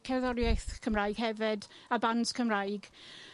cerddoriaeth Cymraeg hefyd, a bands cymraeg.